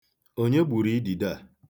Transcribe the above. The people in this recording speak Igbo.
Onye gburu idide a.